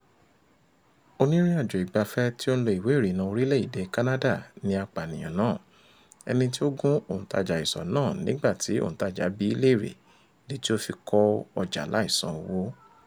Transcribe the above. Onírìn àjò ìgbafẹ́ tí ó ń lo ìwé-ìrìnnà Orílẹ̀-èdè Canada ni apànìyàn náà, ẹni tí ó gún òǹtajà ìsọ̀ náà nígbà tí òǹtajà bíi léèrè ìdí tí ó fi kó ọjà láì san owó.